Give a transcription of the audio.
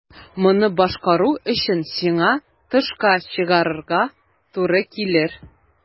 Моны башкару өчен сиңа тышка чыгарга туры килер.